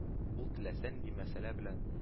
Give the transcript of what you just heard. Ул теләсә нинди мәсьәлә белән